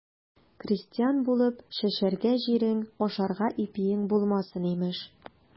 Крестьян булып, чәчәргә җирең, ашарга ипиең булмасын, имеш.